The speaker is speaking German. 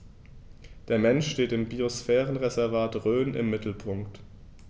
Der Mensch steht im Biosphärenreservat Rhön im Mittelpunkt.